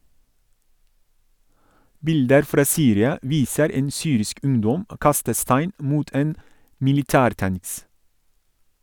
Bilder fra Syria viser en syrisk ungdom kaste stein mot en militærtanks.